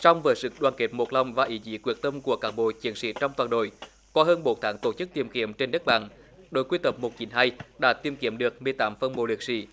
song với sự đoàn kết một lòng và ý chí quyết tâm của cán bộ chiến sĩ trong toàn đội qua hơn bốn tháng tổ chức tìm kiếm trên đất bằng đội quy tập một chín hai đã tìm kiếm được mười tám phần mộ liệt sỹ